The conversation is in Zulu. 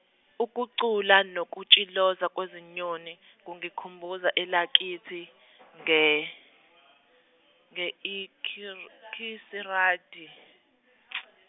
ukucula nokutshiloza kwezinyoni kungikhumbuza elakithi nge, nge Ilkir- -kisirati .